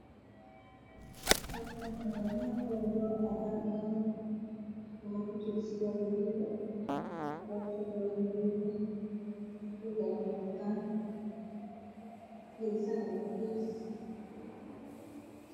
Waa bomballo cadaan ah waxaa ku jira surwaal midabkiis yahay guduud